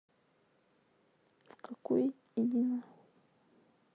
в какой иди нахуй